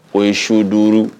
O ye su 5